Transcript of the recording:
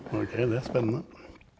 ok, det er spennende.